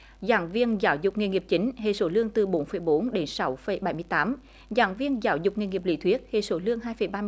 giảng viên giáo dục nghề nghiệp chính hệ số lương từ bốn phẩy bốn để sáu phẩy bảy mươi tám giảng viên giáo dục nghề nghiệp lý thuyết hệ số lương hai phẩy ba